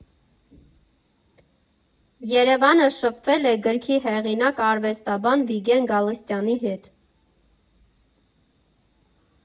ԵՐԵՎԱՆը շփվել է գրքի հեղինակ, արվեստաբան Վիգեն Գալստյանի հետ։